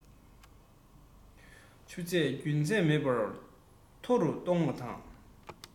ཆུ ཚད རྒྱུན ཆད མེད པར མཐོ རུ གཏོང བ དང